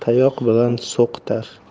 tayoq bilan so'qitar